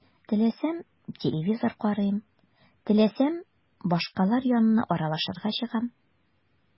Теләсәм – телевизор карыйм, теләсәм – башкалар янына аралашырга чыгам.